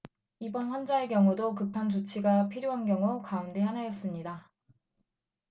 이번 환자의 경우도 급한 조치가 필요한 경우 가운데 하나였습니다